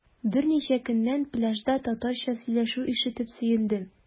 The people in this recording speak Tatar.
Берничә көннән пляжда татарча сөйләшү ишетеп сөендем.